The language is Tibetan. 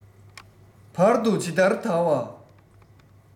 བར དུ ཇི ལྟར དར བ